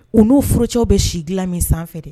U n'o forocɛw bɛ si dilan min sanfɛ de